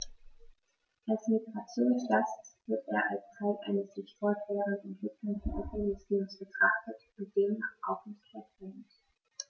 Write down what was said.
Als Migrationsgast wird er als Teil eines sich fortwährend entwickelnden Ökosystems betrachtet und demnach auch nicht vergrämt.